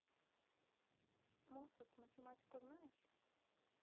moses математику знаешь